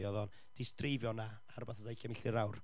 oedd o'n 'di s- dreifio 'na ar rywbeth fatha ugain milltir yr awr,